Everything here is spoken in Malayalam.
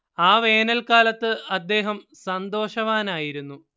ആ വേനൽക്കാലത്ത് അദ്ദേഹം സന്തോഷവാനായിരുന്നു